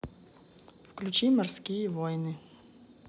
включи морские войны